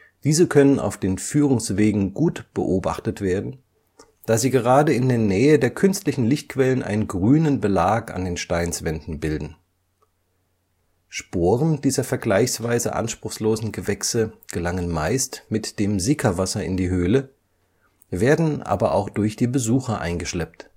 Diese können auf den Führungswegen gut beobachtet werden, da sie gerade in der Nähe der künstlichen Lichtquellen einen grünen Belag an den Gesteinswänden bilden. Sporen dieser vergleichsweise anspruchslosen Gewächse gelangen meist mit dem Sickerwasser in die Höhle, werden aber auch durch die Besucher eingeschleppt